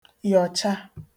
yọ̀cha